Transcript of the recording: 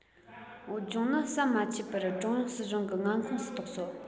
བོད ལྗོངས ནི ཟམ མ ཆད པར ཀྲུང དབྱང སྲིད གཞུང གི མངའ ཁོངས སུ གཏོགས སོ